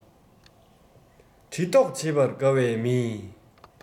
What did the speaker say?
འདྲི རྟོགས བྱེད པར དགའ བའི མི